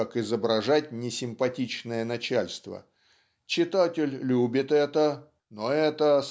как изображать несимпатичное начальство читатель любит это но это